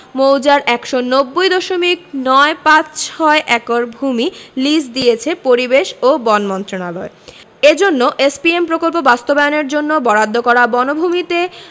মৌজার ১৯০ দশমিক নয় পাঁচ ছয় একর ভূমি লিজ দিয়েছে পরিবেশ ও বন মন্ত্রণালয় এজন্য এসপিএম প্রকল্প বাস্তবায়নের জন্য বরাদ্দ করা বনভূমিতে